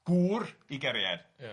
gŵr ei gariad... Ia